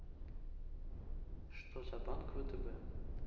что за банк втб